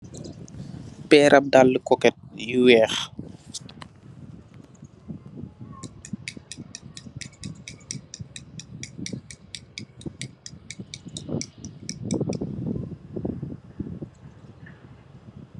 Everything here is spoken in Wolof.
Perab dallu koket yu weehe.